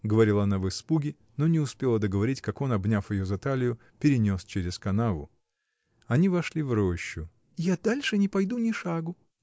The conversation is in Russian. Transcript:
— говорила она в испуге, но не успела договорить, как он, обняв ее за талию, перенес через канаву. Они вошли в рощу. — Я дальше не пойду ни шагу.